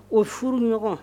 O furu ɲɔgɔn